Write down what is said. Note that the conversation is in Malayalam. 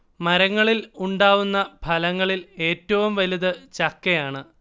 മരങ്ങളിൽ ഉണ്ടാവുന്ന ഫലങ്ങളിൽ ഏറ്റവും വലുത് ചക്കയാണ്